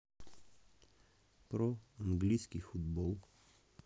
про английский футбол